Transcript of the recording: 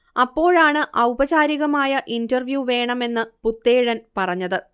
അപ്പോഴാണ് ഔപചാരികമായ ഇന്റർവ്യൂ വേണം എന്ന് പുത്തേഴൻ പറഞ്ഞത്